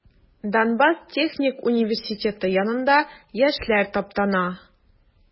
Донбасс техник университеты янында яшьләр таптана.